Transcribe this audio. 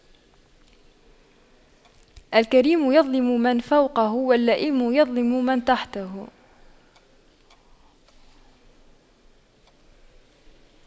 الكريم يظلم من فوقه واللئيم يظلم من تحته